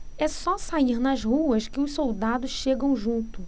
é só sair nas ruas que os soldados chegam junto